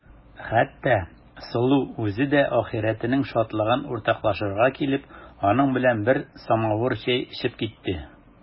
Хәтта Сылу үзе дә ахирәтенең шатлыгын уртаклашырга килеп, аның белән бер самавыр чәй эчеп китте.